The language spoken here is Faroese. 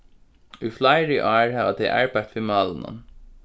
í fleiri ár hava tey arbeitt við málinum